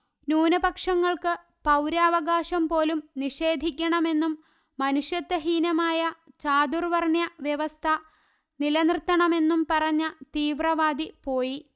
ന്യൂനപക്ഷങ്ങൾക്ക് പൌരാവകാശം പോലും നിഷേധിക്കണമെന്നും മനുഷത്വഹീനമായ ചാതുർ വർണ്യ വ്യവസ്ഥ നിലനിർത്തണമെന്നും പറഞ്ഞ തീവ്രവാദി പോയി